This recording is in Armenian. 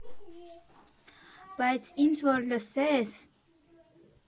Բայց ինձ որ լսես…